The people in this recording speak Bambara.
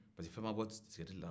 parce que fɛn ma bɔ sigarɛti la